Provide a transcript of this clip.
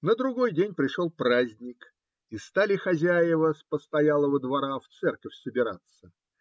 На другой день пришел праздник, и стали хозяева с постоялого двора в церковь собираться.